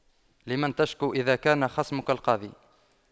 لمن تشكو إذا كان خصمك القاضي